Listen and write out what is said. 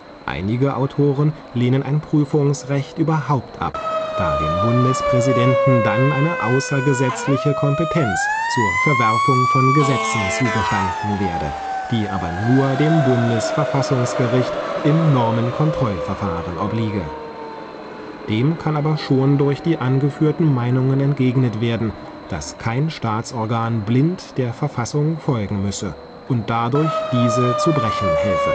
Einige Autoren lehnen ein Prüfungsrecht überhaupt ab, da dem Bundespräsidenten dann eine außergesetzliche Kompetenz zur Verwerfung von Gesetzen zugestanden werde, die aber nur dem Bundesverfassungsgericht im Normenkontrollverfahren obliege. Dem kann aber schon durch die angeführten Meinungen entgegnet werden, dass kein Staatsorgan blind der Verfassung folgen müsse und dadurch diese zu brechen helfe